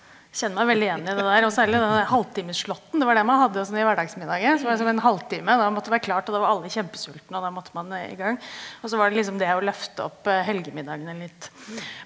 kjenner meg veldig igjen i det der og særlig den derre halvtime , det var det man hadde sånn i hverdagsmiddagen, så var det liksom en halvtime, da måtte det være klart og da var alle kjempesultne og da måtte man i gang, også var det liksom det å løfte opp helgemiddagene litt.